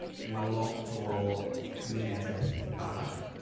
mae lot o cymunedau ll- bach...